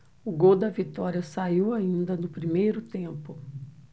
o gol da vitória saiu ainda no primeiro tempo